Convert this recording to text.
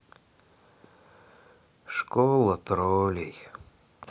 школа троллей